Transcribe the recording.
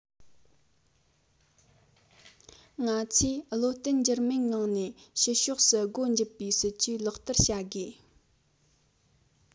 ང ཚོས བློ བརྟན འགྱུར མེད ངང ནས ཕྱི ཕྱོགས སུ སྒོ འབྱེད པའི སྲིད ཇུས ལག བསྟར བྱ དགོས